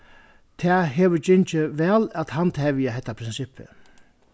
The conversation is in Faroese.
tað hevur gingið væl at handhevja hetta prinsippið